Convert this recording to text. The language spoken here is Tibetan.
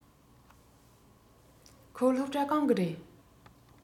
ཁོ སློབ གྲྭ གང གི རེད